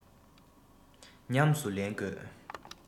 ཉམས སུ ལེན དགོས